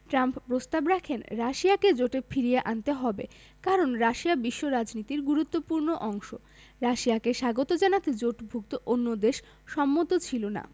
Trump প্রস্তাব রাখেন রাশিয়াকে জোটে ফিরিয়ে আনতে হবে কারণ রাশিয়া বিশ্ব অর্থনীতির গুরুত্বপূর্ণ অংশ রাশিয়াকে স্বাগত জানাতে জোটভুক্ত অন্য দেশ সম্মত ছিল না